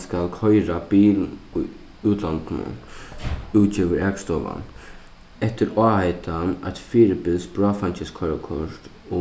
skal koyra bil í útlandinum útgevur akstovan eftir áheitan eitt fyribils bráðfeingiskoyrikort